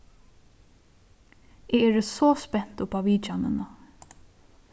eg eri so spent upp á vitjanina